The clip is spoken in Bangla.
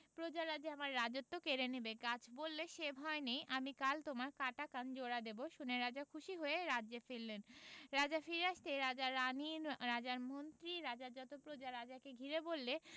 প্রজারা যে আমার রাজত্ব কেড়ে নেবে গাছ বলে সে ভয় নেই আমি কাল তোমার কাটা কান জোড়া দেব শুনে রাজা খুশি হয়ে রাজ্যে ফিরলেন রাজা ফিরে আসতেই রাজার রানী রাজার মন্ত্রী রাজার যত প্রজা রাজাকে ঘিরে বললে